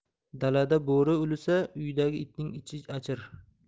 dalada bo'ri ulisa uydagi itning ichi achir